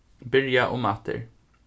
byrja umaftur